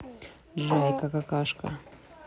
джайка какашка